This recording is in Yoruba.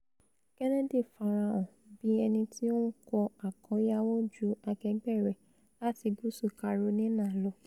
Kennedy farahàn bí ẹnití ó ńkó àkóyawọ́ ju akẹgbẹ́ rẹ̀ lati Gúúsù Carolina lọ.